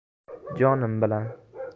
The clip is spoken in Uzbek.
jonim bilan